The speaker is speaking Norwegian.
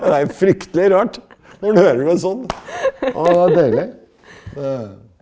det er fryktelig rart når man hører det sånn, å det er deilig det.